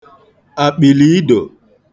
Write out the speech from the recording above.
àkpị̀lìidò